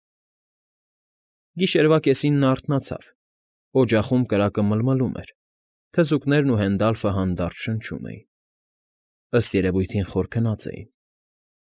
Գիշերվա կեսին նա արթնացավ. օջախում կրակը մլմլում էր, թզուկներն ու Հենդալֆը հանդարտ շնչում էին, ըստ երևույթին խոր քնած էին։